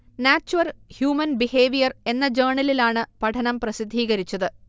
'nature human behaviour' എന്ന ജേണലിലാണ് പഠനം പ്രസിദ്ധീകരിച്ചത്